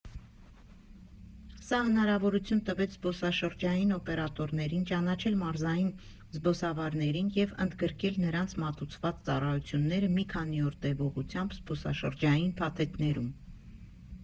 Սա հնարավորություն տվեց զբոսաշրջային օպերատորներին ճանաչել մարզային զբոսավարներին և ընդգրկել նրանց մատուցած ծառայությունները մի քանի օր տևողությամբ զբոսաշրջային փաթեթներում։